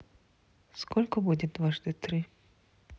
сколько будет дважды три